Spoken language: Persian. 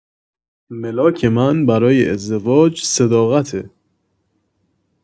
ملاک من برای ازدواج صداقته